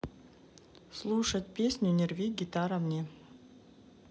слушать песню не рви гитара мне